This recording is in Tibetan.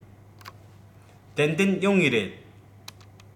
ཏན ཏན ཡོང ངེས རེད